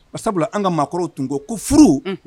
O sabula an ka maakɔrɔw tun ko ko furu